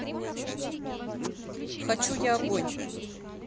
хочу я огонь